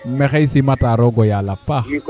maxey simata o roog o yaal a paax